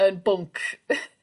yn bwnc...